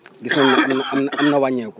gis nañ ne am na am na wàññeeku